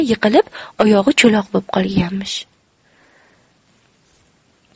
yiqilib oyog'i cho'loq bo'p qolganmish